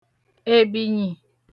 èbìnyì